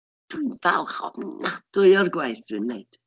Dwi'n falch ofnadwy o'r gwaith dwi'n wneud.